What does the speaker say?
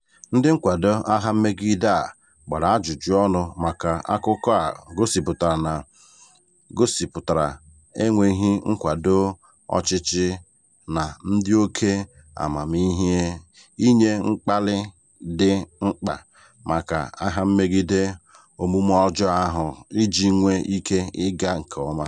Ndị nkwado agha mmegide a gbara ajụjụ ọnụ maka akụkọ a gosipụtara enweghị nkwado ọchịchị na ndị oke amamiihe ịnye mkpali dị mkpa maka agha megide omume ọjọọ ahụ iji nwee ike ịga nke ọma.